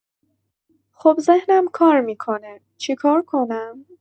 خب ذهنم کار می‌کنه، چی کار کنم؟